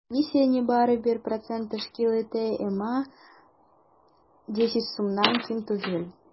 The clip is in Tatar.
Комиссия нибары 1 процент тәшкил итә, әмма 10 сумнан ким түгел.